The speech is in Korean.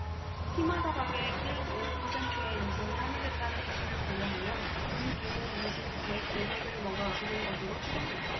피마자박에 일 오 퍼센트의 리신이 함유됐다는 사실을 고려하면 이 개는 리신 백 오백 을 먹어 죽은 것으로 추정됐다